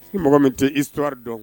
Ni mɔgɔ min tɛ histoire dɔn